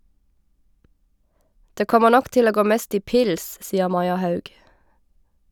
- Det kommer nok til å gå mest i pils, sier Maja Haug.